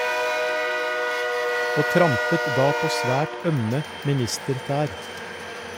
Og trampet da på svært ømme ministertær.